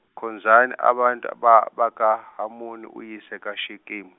khonzani abantu ba- bakaHamoni uyise kaShekemi.